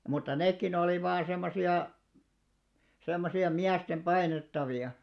mutta nekin oli vain semmoisia semmoisia miesten painettavia